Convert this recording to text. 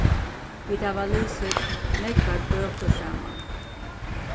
vit hava lisið nógvar bøkur saman